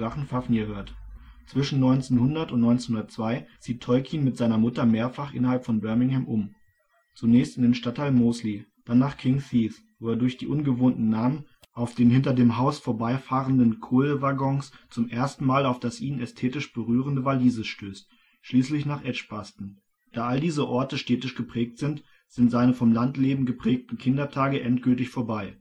Fafnir hört. Zwischen 1900 und 1902 zieht Tolkien mit seiner Mutter mehrfach innerhalb von Birmingham um, zunächst in den Stadtteil Moseley, dann nach King 's Heath, wo er durch die ungewohnten Namen auf den hinter dem Haus vorbeifahrenden Kohlewaggons zum ersten Mal auf das ihn ästhetisch berührende Walisisch stößt, schließlich nach Edgbaston. Da all diese Orte städtisch geprägt sind, sind seine vom Landleben geprägten Kindertage endgültig vorbei